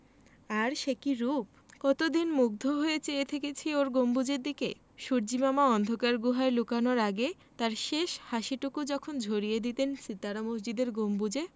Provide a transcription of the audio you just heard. আর সে কি রুপ কতদিন মুগ্ধ হয়ে চেয়ে থেকেছি ওর গম্বুজের দিকে সূর্য্যিমামা অন্ধকার গুহায় লুকানোর আগে তাঁর শেষ হাসিটুকু যখন ঝরিয়ে দিতেন সিতারা মসজিদের গম্বুজে